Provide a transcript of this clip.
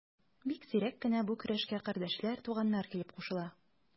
Бик сирәк кенә бу көрәшкә кардәшләр, туганнар килеп кушыла.